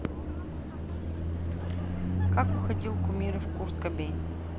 как уходили кумиры в курт кобейн